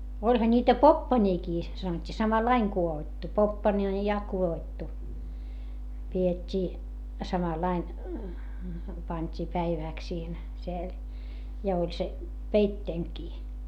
olihan niitä poppanoitakin sanottiin samalla lailla kudottu poppana oli ja kudottu pidettiin samalla lailla pantiin päiväksi siihen siellä ja oli se peitteenäkin